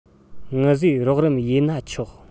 ངུ བཟོས རོགས རམ ཡས ན ཆོག